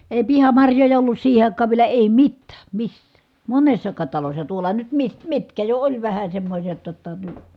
ei pihamarjoja ollut siihen aikaan vielä ei mitään missään monessakaan talossa tuolla nyt - mitkä jo oli vähän semmoiset jotta -